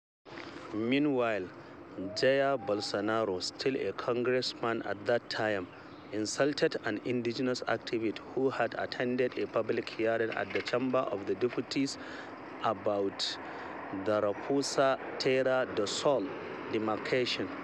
Meanwhile, Jair Bolsonaro, still a congressman at that time, insulted an indigenous activist who had attended a public hearing at the Chamber of Deputies about the Raposa Terra do Sol demarcation.